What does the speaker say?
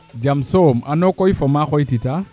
jam soom ano koy fo ma xooytitaa